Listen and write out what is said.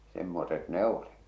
semmoiset ne oli